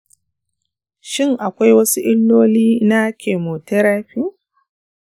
shin akwai wasu illoli na chemotherapy?